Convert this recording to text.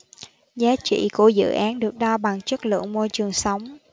giá trị của dự án được đo bằng chất lượng môi trường sống